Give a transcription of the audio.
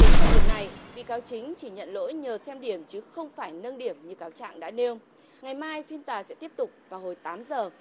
đến thời điểm này bị cáo chính chỉ nhận lỗi nhờ xem điểm chứ không phải nâng điểm như cáo trạng đã nêu ngày mai phiên tòa sẽ tiếp tục vào hồi tám giờ